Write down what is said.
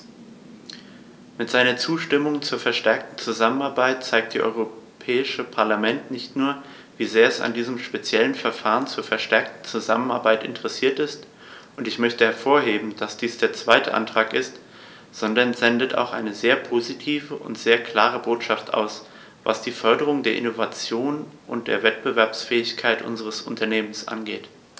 Mit seiner Zustimmung zur verstärkten Zusammenarbeit zeigt das Europäische Parlament nicht nur, wie sehr es an diesem speziellen Verfahren zur verstärkten Zusammenarbeit interessiert ist - und ich möchte hervorheben, dass dies der zweite Antrag ist -, sondern sendet auch eine sehr positive und sehr klare Botschaft aus, was die Förderung der Innovation und der Wettbewerbsfähigkeit unserer Unternehmen angeht.